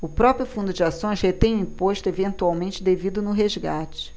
o próprio fundo de ações retém o imposto eventualmente devido no resgate